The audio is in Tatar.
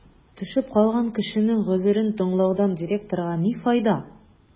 Төшеп калган кешенең гозерен тыңлаудан директорга ни файда?